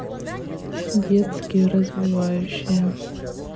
детские развивающие